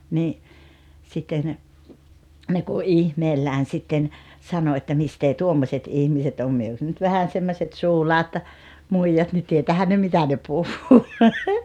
niin sitten ne kun ihmeellään sitten sanoi että mistä tuommoiset ihmiset on me jos nyt vähän semmoiset suulaat muijat niin tietäähän ne mitä ne puhuu